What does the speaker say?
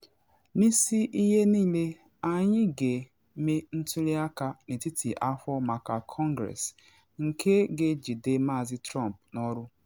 N’isi ihe niile, anyị ga-eme ntuli aka n’etiti afọ maka Kọngress nke ga-ejide Maazị Trump n’ọrụ?